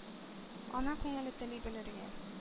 Ана күңеле тели белергә: